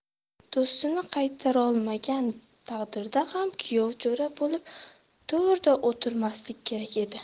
do'stini qaytarolmagan taqdirda ham kuyovjo'ra bo'lib to'rda o'tirmasligi kerak edi